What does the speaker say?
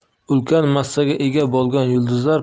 ulkan massaga ega bo'lgan yulduzlar